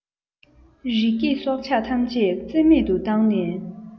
རི སྐྱེས སྲོག ཆགས ཐམས ཅད རྩེ མེད དུ བཏང ནས